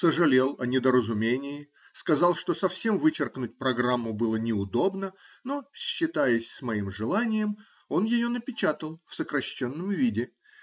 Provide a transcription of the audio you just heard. Сожалел о недоразумении, сказал, что совсем вычеркнуть программу было неудобно, но, считаясь с моим желанием, он ее напечатал в сокращенном виде.